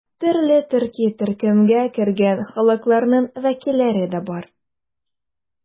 Төрле төрки төркемгә кергән халыкларның вәкилләре дә бар.